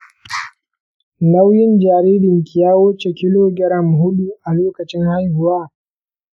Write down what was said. nauyin jaririnki ya wuce kilogram huɗu a lokacin haihuwa?